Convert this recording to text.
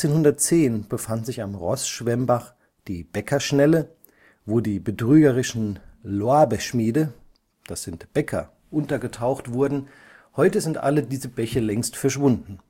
1810 befand sich am Roßschwemmbach die Bäckerschnelle, wo die betrügerischen „ Loabeschmiede “(Bäcker) untergetaucht wurden. Heute sind alle diese Bäche längst verschwunden